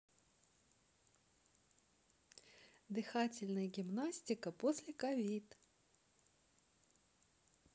дыхательная гимнастика после covid